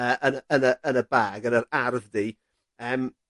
Yy yn y yn y yn y bag gyda'r ardd di yym